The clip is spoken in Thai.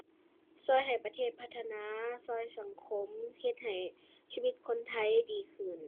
ช่วยให้ประเทศพัฒนา ช่วยสังคม เฮ็ดให้ชีวิตคนไทยดีขึ้น